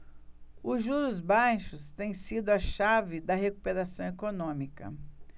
os juros baixos têm sido a chave da recuperação econômica